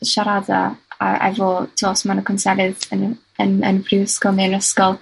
siarada a efo t'o' os ma' 'na cwnselydd yn y yn yn prifysgol, ne'n 'r ysgol.